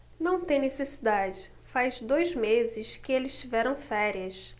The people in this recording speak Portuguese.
não tem necessidade faz dois meses que eles tiveram férias